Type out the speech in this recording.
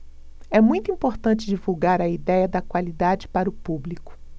é muito importante divulgar a idéia da qualidade para o público